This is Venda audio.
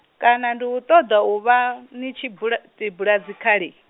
kana ndi u ṱoḓa vha, ni tshi bula tibula dzikhali?